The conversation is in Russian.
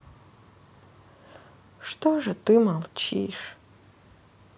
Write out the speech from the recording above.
что же ты молчишь